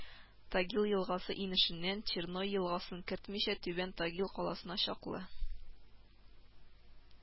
Тагил елгасы инешенән Черной елгасын кертмичәТүбән Тагил каласына чаклы